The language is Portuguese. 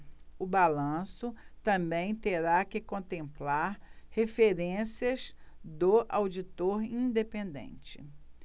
o balanço também terá que contemplar referências do auditor independente